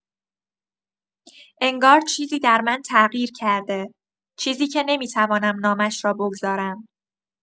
انگار چیزی در من تغییر کرده، چیزی که نمی‌توانم نامش را بگذارم.